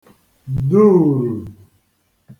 dùùrù